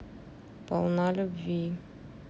polnalyubvi